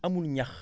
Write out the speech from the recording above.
amul ñax